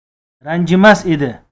ranjimas edi